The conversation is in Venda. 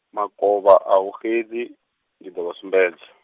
makovha ahu xedzi, ndi ḓo vha sumbedza.